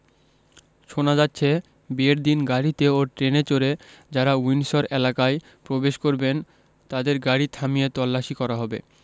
শোনা যাচ্ছে বিয়ের দিন গাড়িতে ও ট্রেনে চড়ে যাঁরা উইন্ডসর এলাকায় প্রবেশ করবেন তাঁদের গাড়ি থামিয়ে তল্লাশি করা হবে